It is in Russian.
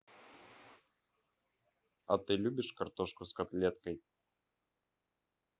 а ты любишь картошку с котлеткой